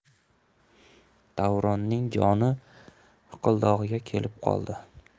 davronning joni hiqildog'iga kelib qoldi